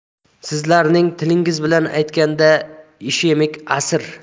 sizlarning tilingiz bilan aytganda ishemik asr